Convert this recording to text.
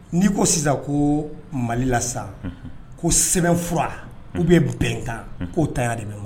N'i ko sisan ko Mali la sisan, unhun, ko sɛbɛnfuran ou bien bɛnkan, unhun, k'o ntanya de bɛ